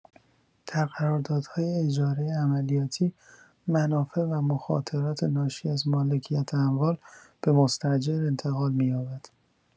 در قراردادهای اجاره عملیاتی، منافع و مخاطرات ناشی از مالکیت اموال به مستاجر انتقال می‌یابد.